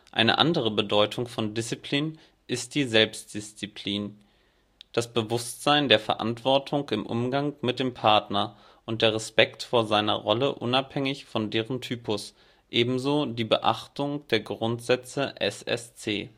Eine andere Bedeutung von Discipline ist die (Selbst -) Disziplin, das Bewusstsein der Verantwortung im Umgang mit dem Partner und der Respekt vor seiner Rolle unabhängig von deren Typus, ebenso die Beachtung der Grundsätze SSC